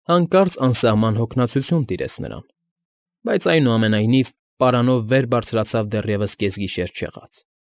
Հանկարծ անսահման հոգնածություն տիրեց նրան, բայց, այնուամենայնիվ, պարանով վեր բարձրացավ դեռևս կեսգիշեր չեղած։